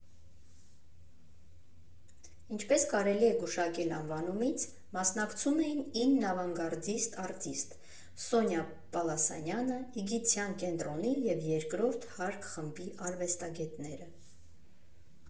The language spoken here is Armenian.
Ինչպես կարելի է գուշակել անվանումից, մասնակցում էին ինն ավանգարդիստ արտիստ՝ Սոնյա Պալասանյանը, Իգիթյան կենտրոնի և «Երրորդ հարկ» խմբի արվեստագետները։